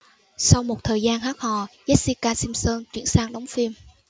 sau một thời gian hát hò jessica simpson chuyển sang đóng phim